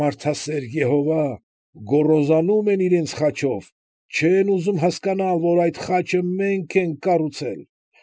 Մարդասեր Եհովա, գոռոզանում են իրենց խաչով, չեն ուզում հասկանալ, որ այդ խաչը մենք ենք կառուցել։